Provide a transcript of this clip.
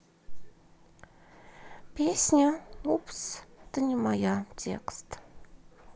песня упс ты не моя текст